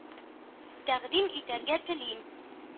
Тәкъдим итәргә телим.